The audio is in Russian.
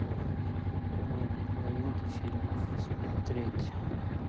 комедии новинки фильмов смотреть